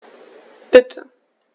Bitte.